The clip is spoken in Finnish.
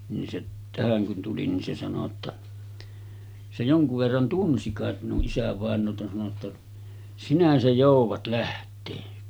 niin se tähän kun tuli niin se sanoi jotta se jonkun verran tunsi kai minun isävainaata sanoi jotta sinä se joudat lähteä